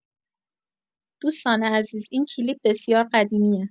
دوستان عزیز این کلیپ بسیار قدیمیه